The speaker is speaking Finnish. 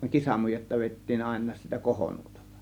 kisamujetta vedettiin aina sitä kohonuotalla